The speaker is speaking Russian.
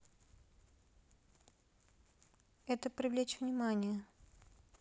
это привлечь внимание